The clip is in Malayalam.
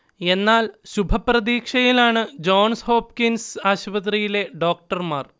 എന്നാൽ, ശുഭപ്രതീക്ഷയിലാണ് ജോൺസ് ഹോപ്കിൻസ് ആശുപത്രിയിലെ ഡോക്ടർമാർ